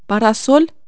باراصول